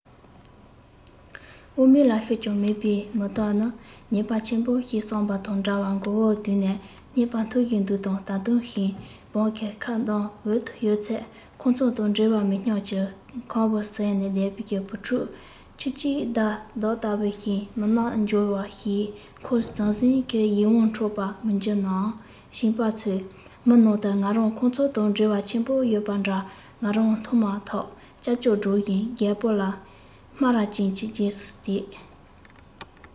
དབང མེད ལ ཤུགས ཀྱང མེད པའི མི དག ནི ཉེས པ ཆེན པོ ཞིག བསགས པ དང འདྲ བར མགོ བོ དུད ནས སྙེ མ འཐུ བཞིན འདུག ད དུང ཞིང སྦུག གི ཁམ སྡོང འོག ཏུ ཡོད ཚད ཁོ ཚོ དང འབྲེལ བ མེད སྙམ གྱིན ཁམ བུ ཟས ནས བསྡད པའི ཕྲུ གུ ཁྱུ གཅིག འདུག བདག ལྟ བུའི ཞི མི རྣལ འབྱོར བ ཞིག འཁོར བའི ཟང ཟིང གིས ཡིད དབང འཕྲོག པར མི འགྱུར ནའང བྱིས པ ཚོའི མིག ནང དུ ང རང ཁོ ཚོ དང འབྲེལ བ ཆེན པོ ཡོད པ འདྲ ང རང མཐོང མ ཐག ཅ ཅོ སྒྲོག བཞིན རྒད པོ སྨ ར ཅན གྱི རྗེས སུ དེད